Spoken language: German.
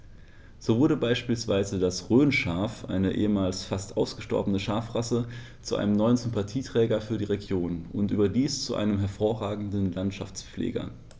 So wurde beispielsweise das Rhönschaf, eine ehemals fast ausgestorbene Schafrasse, zu einem neuen Sympathieträger für die Region – und überdies zu einem hervorragenden Landschaftspfleger.